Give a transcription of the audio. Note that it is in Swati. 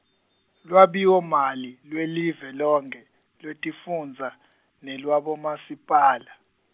Lwabiwomali, lwelive lonkhe, lwetifundza, nelwabomasipala.